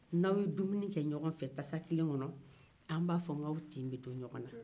ni aw ye dumuni kɛ ɲɔgɔn fɛ tasakelen kɔnɔ anw b'a fɔ aw tin bɛ don ɲɔgɔn na